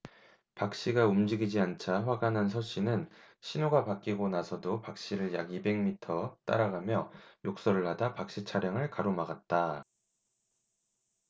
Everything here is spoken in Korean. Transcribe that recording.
박씨가 움직이지 않자 화가 난 서씨는 신호가 바뀌고 나서도 박씨를 약 이백 미터 따라가며 욕설을 하다 박씨 차량을 가로막았다